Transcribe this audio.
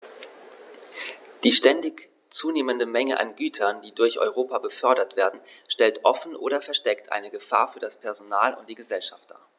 Die ständig zunehmende Menge an Gütern, die durch Europa befördert werden, stellt offen oder versteckt eine Gefahr für das Personal und die Gesellschaft dar.